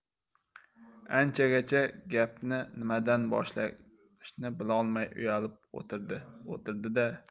anchagacha gapni nimadan boshlashni bilolmay uyalib o'tirdi o'tirdi da